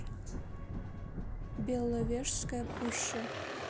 беловежская пуща